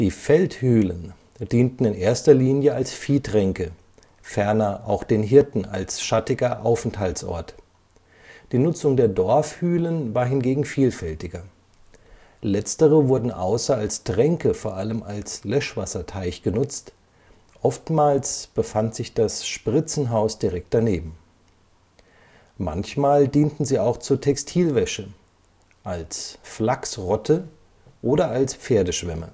Feldhülen dienten in erster Linie als Viehtränke, ferner auch den Hirten als schattiger Aufenthaltsort. Die Nutzung der Dorfhülen war hingegen vielfältiger. Letztere wurden außer als Tränke vor allem als Löschwasserteich genutzt, oftmals befand sich das Spritzenhaus direkt daneben. Manchmal dienten sie auch zur Textilwäsche, als Flachsrotte oder als Pferdeschwemme